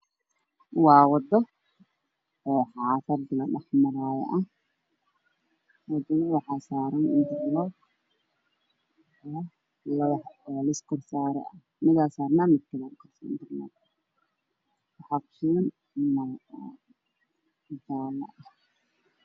Waa wado oo xafad la shex marayo eh wadada waxaa saaran antar loog madax liis kor saran